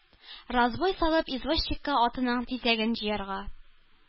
Разбой салып, извозчикка атының тизәген җыярга,